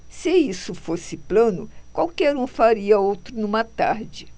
se isso fosse plano qualquer um faria outro numa tarde